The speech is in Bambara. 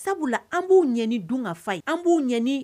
Sabula an b'u ɲani dun ka fa ye an b'u ɲani